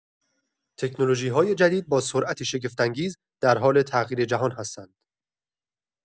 تکنولوژی‌های جدید با سرعتی شگفت‌انگیز در حال تغییر جهان هستند.